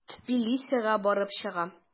Тбилисига барып чыга.